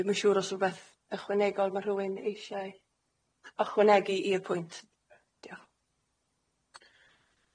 Fi'n ma'n siŵr os rwbeth ychwanegol ma' rhywun eisiai ychwanegu i'r pwynt. Diolch.